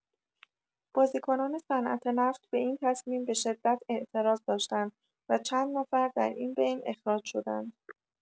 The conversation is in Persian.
بازیکنان صنعت‌نفت به این تصمیم به‌شدت اعتراض داشتند و چند نفر در این بین اخراج شدند